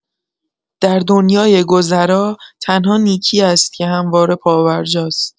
در دنیای گذرا، تنها نیکی است که همواره پابرجاست.